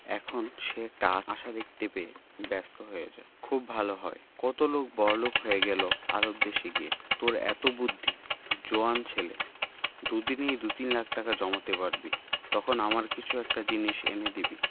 এখন সে একটা আশা দেখতে পেয়ে ব্যস্ত হয়ে যায় খুব ভালো হয় কত লোক বড়লোক হয়ে গেল আরব দেশে গিয়ে তোর এত বুদ্ধি জোয়ান ছেলে দুদিনেই দুতিন লাখ টাকা জমাতে পারবি তখন আমার কিছু একটা জিনিস এনে দিবি